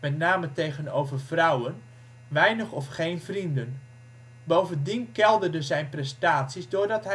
name tegenover vrouwen) weinig of geen vrienden. Bovendien kelderden zijn prestaties doordat